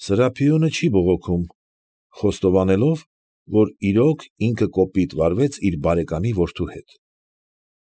Սրափիոնը չի բողոքում, խոստովանելով, որ իրոք ինքը կոպիտ վարվեց իր բարեկամի որդու հետ։